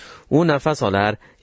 u nafas olar